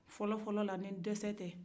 fɔlɔ fɔlɔ la ni dɛsɛ tɛ